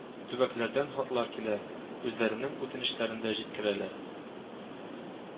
Төбкәләрдән хатлар килә, үзләренең үтенечләрен дә җиткерәләр